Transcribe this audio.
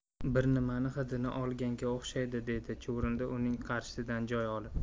bir nimaning hidini olganga o'xshaydi dedi chuvrindi uning qarshisidan joy olib